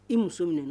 I muso minɛ